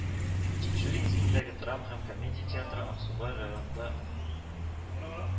Тинчурин исемендәге драма һәм комедия театры Аксубай районында Мы